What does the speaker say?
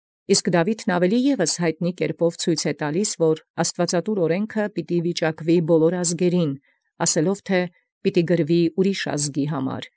Իսկ Դաւիթ յայտնապէս ևս վասն ամենայն ազգաց՝ զվիճակ աստուածատուր աւրինացն նշանակէ ասելովն, թէ՝ «Գրեսցի յազգ այլե։